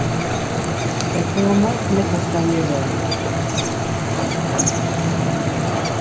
tey koma nógvastaðni í verðini